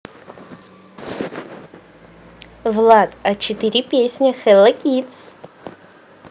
влад а четыре песня hella kidz